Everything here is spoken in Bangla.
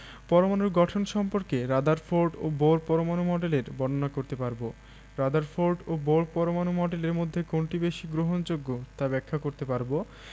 পরমাণুর গঠন সম্পর্কে রাদারফোর্ড ও বোর পরমাণু মডেলের বর্ণনা করতে পারব রাদারফোর্ড ও বোর পরমাণু মডেলের মধ্যে কোনটি বেশি গ্রহণযোগ্য তা ব্যাখ্যা করতে পারব